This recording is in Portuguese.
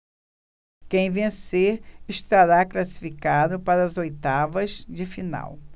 quem vencer estará classificado para as oitavas de final